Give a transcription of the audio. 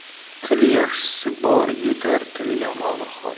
til yaxshisi bor etar til yomoni xor etar